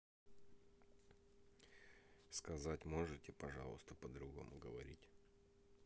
сказать можете пожалуйста по другому говорить